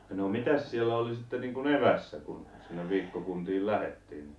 no mitäs siellä oli sitten niin kuin eväänä kun sinne viikkokuntiin lähdettiin